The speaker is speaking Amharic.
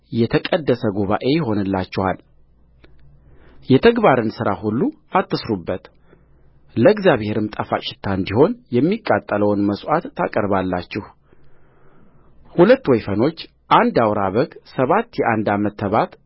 የተቀደሰ ጉባኤ ይሆንላችኋል የተግባርን ሥራ ሁሉ አትሥሩበትለእግዚአብሔርም ጣፋጭ ሽታ እንዲሆን የሚቃጠለውን መሥዋዕት ታቀርባላችሁ ሁለት ወይፈኖች አንድ አውራ በግ ሰባት የአንድ ዓመት ተባት